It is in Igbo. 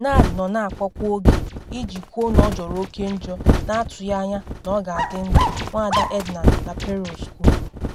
“Nad nọ na akpọ kwa oge iji kwuo na ọ jọrọ oke njọ, na atụghị anya na ọ ga-adị ndụ,” Nwada Ednan-Laperouse kwuru.